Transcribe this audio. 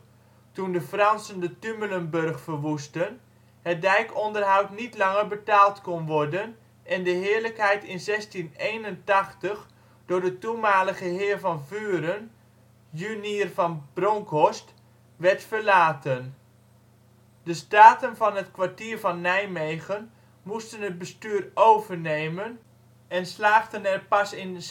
toen de Fransen de Tumelenburg verwoestten, het dijkonderhoud niet langer betaald kon worden en de heerlijkheid in 1681 door de toenmalige heer van Vuren, Junier van Bronkhorst, werd verlaten. De Staten van het Kwartier van Nijmegen moesten het bestuur overnemen en slaagden er pas in